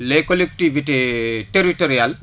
les collectivités territoriales